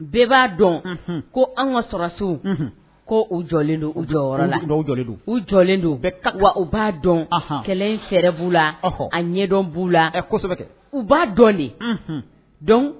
Bɛɛ b'a dɔn. Unhun. Ko anw ka sorasiw. Unhun. Ko u jɔlen don u jɔyɔrɔ la. Non u jɔlen don. U jɔlen don. U bɛ kak kak. Wa u b'a dɔn, kɛlɛ in fɛrɛ b'u la, a ɲɛdɔn b'u la. Ɛ kosɛbɛ kɛ! U b'a dɔn de. Uunhun. donc